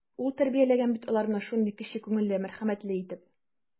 Ул тәрбияләгән бит аларны шундый кече күңелле, мәрхәмәтле итеп.